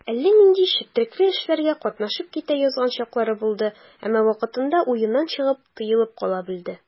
Әллә нинди четрекле эшләргә катнашып китә язган чаклары булды, әмма вакытында уеннан чыгып, тыелып кала белде.